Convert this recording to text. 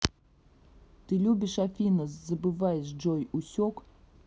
ты любишь афина забываешь джой усек